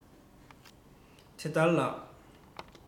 དེ ལྟར ལགས